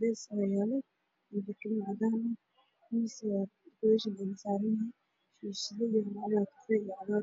cadees ayaa yaalo